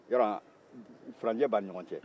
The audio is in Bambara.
yɔrɔ furancɛ b'an ni ɲɔgɔ cɛ